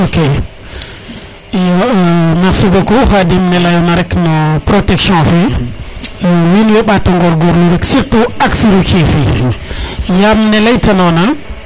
ok iyo merci beaucoup Khadim ne leyona rek no protection fe nuun we ɓato ngorgorlu rek surtout axe routier fe yaam ne leyta nona